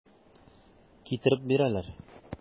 Китереп бирәләр.